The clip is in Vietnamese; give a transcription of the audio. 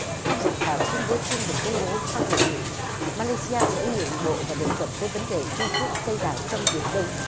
trong dự thảo tuyên bố chung được công bố sau hội nghị ma lay si a sẽ nhượng bộ và đề cập tới vấn đề trung quốc xây đảo trong biển đông